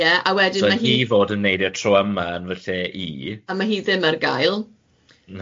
Ie, a wedyn ma' hi... So o hi fod yn neud e tro yma yn fy lle i... A ma' hi ddim ar gael.